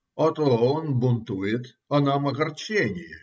А то он бунтует, а нам огорчение.